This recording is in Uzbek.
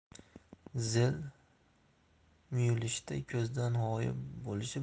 zil muyulishda ko'zdan g'oyib bo'lishi